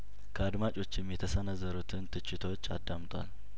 ከአድማጮችም የተሰነዘሩትን ትችቶች አዳምጧል